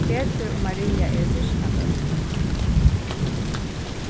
petur og maria eru systkinabørn